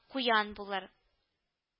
Куян булыр